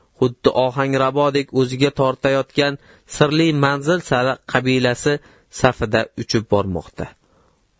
xuddi ohanrabodek o'ziga tortayotgan sirli manzil sari qabilasi safida uchib bormoqda